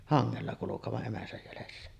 hangella kulkevan emänsä jäljessä